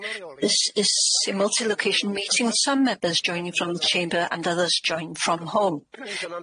This is a multi-location meeting with some members joining from the Chamber and others join from home.